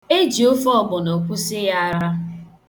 Eji ofe ọgbọnọ kwụsị ya ara.